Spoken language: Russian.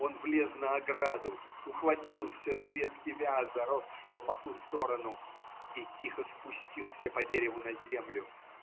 Он влез на ограду, ухватился за ветки вяза, росшего по ту сторону, и тихо спустился по дереву на землю.